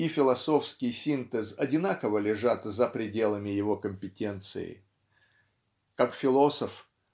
и философский синтез одинаково лежат за пределами его компетенции. Как философ